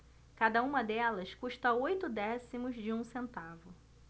cada uma delas custa oito décimos de um centavo